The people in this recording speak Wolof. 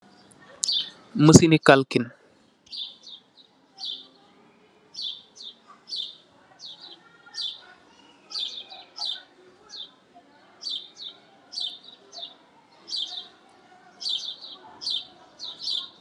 Machine ni kalkin. Machine bi dancèh kalkinnèh xalis. Jaikatyi ñokoi faral di jafandiko